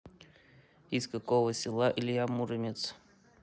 из какого села илья муромец